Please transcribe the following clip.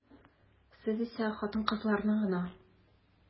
Сез исә хатын-кызларны гына.